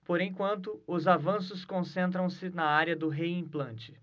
por enquanto os avanços concentram-se na área do reimplante